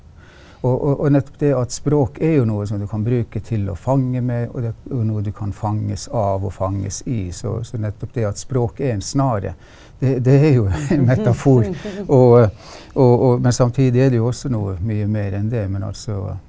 og og og nettopp det at språk er jo noe som du kan bruke til å fange med og det er noe du kan fanges av og fanges i så så nettopp det at språk er en snare det det er jo en metafor og og og men samtidig er det jo også noe mye mer enn det, men altså.